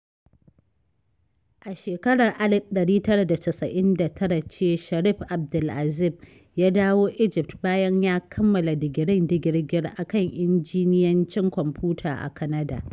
A shekarar 1999 ce Sharif Abdel-Azim ya dawo Egypt bayan ya kammala digirin digirgir a kan Injinyancin Kwamfuta a Canada.